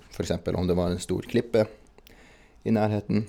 For eksempel om det var en stor klippe i nærheten.